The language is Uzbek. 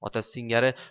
otasi singari